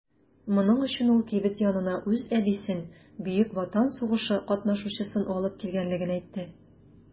Моның өчен ул кибет янына үз әбисен - Бөек Ватан сугышы катнашучысын алып килгәнлеген әйтте.